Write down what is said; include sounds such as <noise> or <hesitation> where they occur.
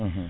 <hesitation> <hesitation>